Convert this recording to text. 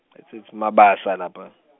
ethatsi Mabasa lapha.